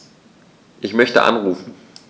Ich möchte anrufen.